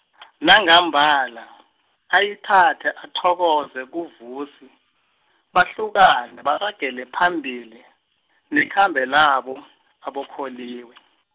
nangambala , ayithathe athokoze kuVusi, bahlukane baragele phambili, nekhambo labo, aboKholiwe.